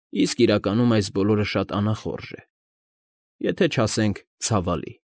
Իսկ իրականում, այս բոլորը շատ անախորժ է, եթե չասենք ցավալի։